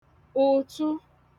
ụ̀tụ